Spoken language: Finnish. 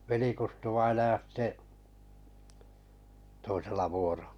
veli-Kustu-vainaja sitten toisella -